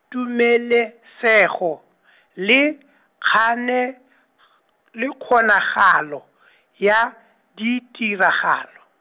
tumelesego , le, kgane- g-, le kgonagalo , ya, ditiragalo.